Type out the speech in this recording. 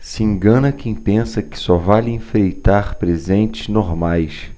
se engana quem pensa que só vale enfeitar presentes normais